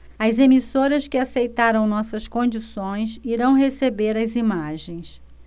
as emissoras que aceitaram nossas condições irão receber as imagens